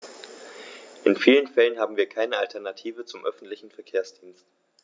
In vielen Fällen haben wir keine Alternative zum öffentlichen Verkehrsdienst.